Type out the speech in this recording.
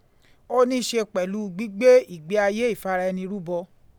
Ó ní í ṣe pẹ̀lú gbígbé ìgbé ayé ìfara ẹni rúbọ.